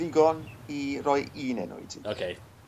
ddigon i roi un enw i ti. Oce.